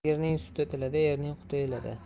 sigirning suti tilida erning quti elida